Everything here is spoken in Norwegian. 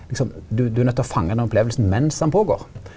liksom du du er nøydt til å fange den opplevinga mens han er i gang.